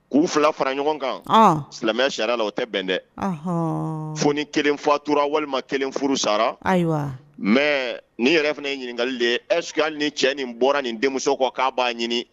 K'u fila fara ɲɔgɔn kan, ɔn, silamɛya sariya la o tɛ bɛn dɛ, ɔnhɔn fo ni kelen fatura walima kelen furu sara, ayiwa, mais ni yɛrɛ fana ye ɲininkali de est que ni cɛ in bɔra nin denmuso kɔ k'a b'a ɲini